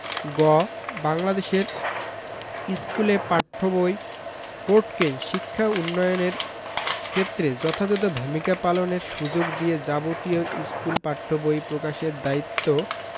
গ বাংলাদেশের স্কুলে পাঠ্য বই বোর্ডকে শিক্ষা উন্নয়নের ক্ষেত্রে যথাযথ ভূমিকা পালনের সুযোগ দিয়ে যাবতীয় স্কুল পাঠ্য বই প্রকাশের দায়িত্ব